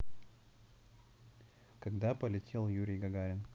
когда полетел юрий гагарин